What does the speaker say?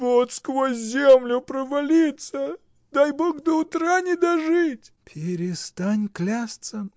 — Вот сквозь землю провалиться! Дай Бог до утра не дожить. — Перестань клясться!